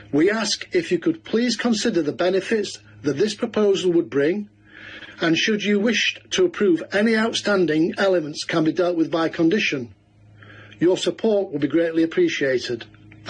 We ask if you could please consider the benefits that this proposal would bring, and should you wish to approve any outstanding elements can be dealt with by condition, your support would be greatly appreciated. Thank you.